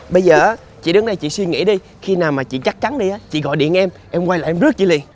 bây giờ á chị đứng đây chị suy nghĩ đi khi nào mà chị chắc chắn đi á chị gọi điện em em quay lại em rước chị liền